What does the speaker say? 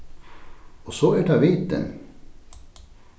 og so er tað vitin